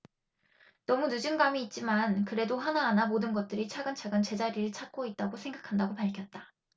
너무 늦은감이 있지만 그래도 하나하나 모든 것들이 차근차근 제자리를 찾고 있다고 생각한다고 밝혔다